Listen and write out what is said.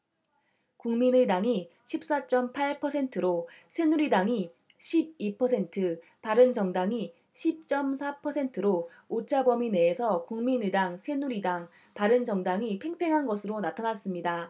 국민의당이 십 사 쩜 팔 퍼센트로 새누리당이 십 이 퍼센트 바른정당이 십 쩜 사 퍼센트로 오차범위 내에서 국민의당 새누리당 바른정당이 팽팽한 것으로 나타났습니다